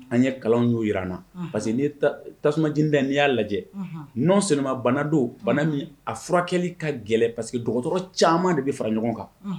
An ye kalan y'o jira na parce que n tasumaind n'i y'a lajɛ nɔn senmabana don bana min a furakɛli ka gɛlɛ pa que dɔgɔtɔrɔ caman de bɛ fara ɲɔgɔn kan